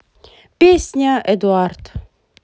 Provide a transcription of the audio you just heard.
песня эдуард